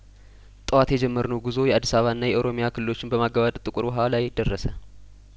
ጠዋት የጀመርነው ጉዞ የአዲስ አባና የኦሮሚያ ክልሎችን በማገባደድ ጥቁር ውሀ ላይ ደረሰ